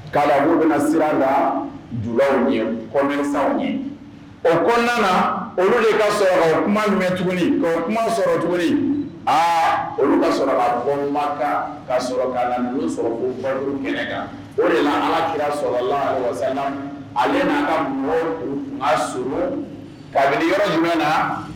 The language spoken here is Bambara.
Kalan u bɛna siran la du ɲɛ kɔɛ san ye o kɔ olu de ka sɔrɔ kuma jumɛn tuguni kuma sɔrɔ tuguni aa olu ka sɔrɔ bɔma ka sɔrɔ la sɔrɔ baro minɛ o de ala kira sɔrɔ la ale' ka mɔ a so kabini yɔrɔ jumɛn na